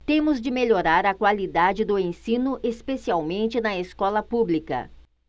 temos de melhorar a qualidade do ensino especialmente na escola pública